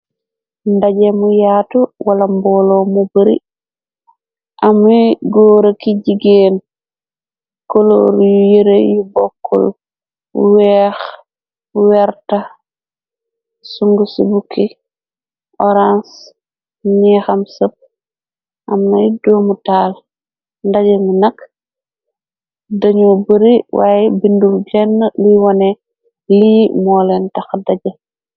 Ndaje mu yaatu wala mbooloo mu bari amey góora ki jigeen koloor yu yëre yu bokkul weex werta sunguf si bukki oranc nixam sëp amnayt doomitaal ndaje mi nak dañu bari waaye bindul fenna luy wone li mooleen taxa daje.